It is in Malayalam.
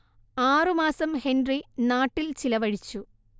ആറുമാസം ഹെൻറി നാട്ടിൽ ചിലവഴിച്ചു